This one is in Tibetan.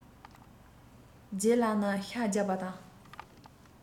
ལྗད ལགས ནི ཤ རྒྱགས པ